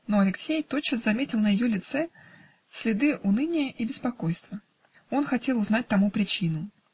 но Алексей тотчас же заметил на ее лице следы уныния и беспокойства. Он хотел узнать тому причину.